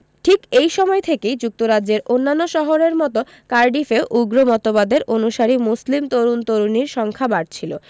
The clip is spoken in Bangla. ঠিক এই সময় থেকেই যুক্তরাজ্যের অন্যান্য শহরের মতো কার্ডিফেও উগ্র মতবাদের অনুসারী মুসলিম তরুণ তরুণীর সংখ্যা বাড়ছিল